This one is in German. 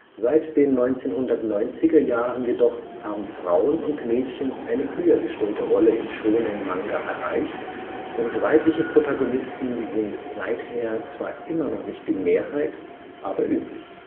Seit den 1990er Jahren jedoch haben Frauen und Mädchen eine höher gestellte Rolle in Shōnen-Manga erreicht und weibliche Protagonisten sind seither zwar immer noch nicht die Mehrheit, aber üblich